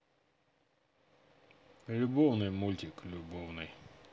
любовный мультик любовный